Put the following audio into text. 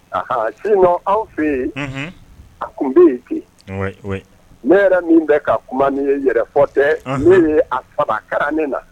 A nɔn anw fɛ yen a tun bɛ yen kɛ ne yɛrɛ min bɛ ka kuma ni ye yɛrɛ tɛ ne ye a fara ka ne na